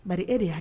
Ba e de y'